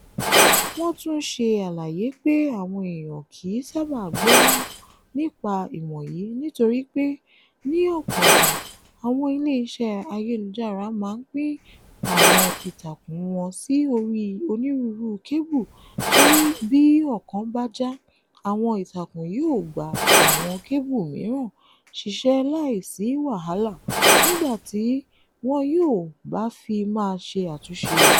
Wọ́n tún ṣe àlàyé pé àwọn èèyàn kìí sábà gbọ́ nípa ìwọ̀nyìí nítorí pé, ní ọ̀pọ̀ ìgbà, àwọn ilé-iṣẹ́ ayélujára máa ń pín àwọn ìtakùn wọn sí orí onírúurú kébù torí bí ọ̀kan bá já, àwọn ìtakùn yóò gba àwọn kébù mìíràn ṣiṣẹ́ láì sí wàhálà nígbà tí wọn yóò bá fi máa ṣe àtúnṣe rẹ̀.